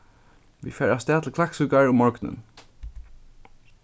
vit fara avstað til klaksvíkar um morgunin